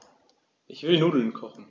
Ich will Nudeln kochen.